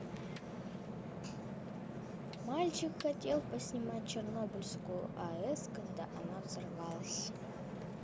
мальчик хотел поснимать чернобыльскую аэс когда она взорвалась